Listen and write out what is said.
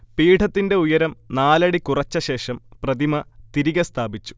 പീഠത്തിന്റെ ഉയരം നാലടി കുറച്ചശേഷം പ്രതിമ തിരികെ സ്ഥാപിച്ചു